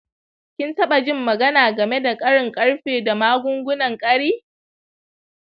kin taba jin magana game da karin karfe da magungunan kari?